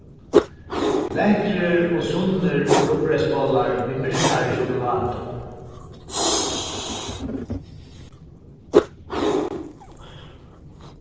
lekkrir og sunnir rugbreyðsbollar við myrkari sjokulátu